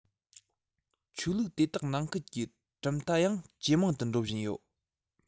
ཆོས ལུགས དེ དག ནང ཁུལ གྱི གྲུབ མཐའ ཡང ཇེ མང དུ འགྲོ བཞིན ཡོད